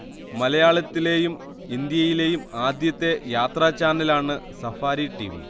മലയാളത്തിലെയും ഇന്ത്യയിലെയും ആദ്യത്തെ യാത്രാചാനലാണ് സഫാരി ടിവി